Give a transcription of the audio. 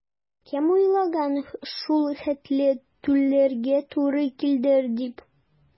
Кем уйлаган шул хәтле түләргә туры килер дип?